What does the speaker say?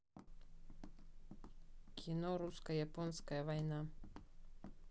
кино русско японская война